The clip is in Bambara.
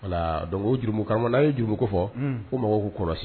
Dɔnku jurukaramana ye juru fɔ ko mako kɔlɔsi